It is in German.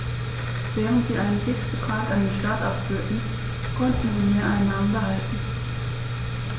Während sie einen Fixbetrag an den Staat abführten, konnten sie Mehreinnahmen behalten.